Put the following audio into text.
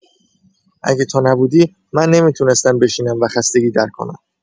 اگه تو نبودی، من نمی‌تونستم بشینم و خستگی در کنم.